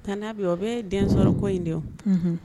Tan'a bi o bɛ densɔrɔ kɔ in de